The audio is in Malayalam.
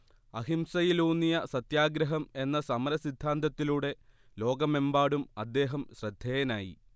അഹിംസയിലൂന്നിയ സത്യാഗ്രഹം എന്ന സമര സിദ്ധാന്തത്തിലൂടെ ലോകമെമ്പാടും അദ്ദേഹം ശ്രദ്ധേയനായി